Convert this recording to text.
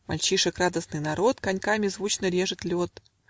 Мальчишек радостный народ Коньками звучно режет лед